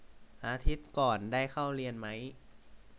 อาทิตย์ก่อนได้เข้าเรียนมั้ย